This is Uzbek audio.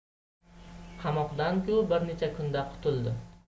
qamoqdan ku bir necha kunda qutuldi